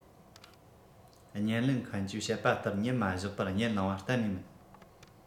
བརྙན ལེན མཁན གྱིས བཤད པ ལྟར མཉམ མ བཞག པར བརྙན བླངས པ གཏན ནས མིན